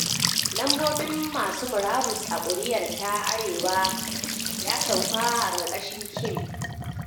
Lambobin masu murabus a Koriya ta Arewa ya'sauka' a karkashin Kim